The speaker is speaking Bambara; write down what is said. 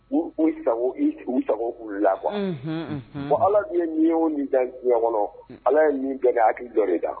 U sagogo i sagogo u labɔ fɔ ala tun ye miw min dan kɔnɔ ala ye min bila ka hakiliki jɔ da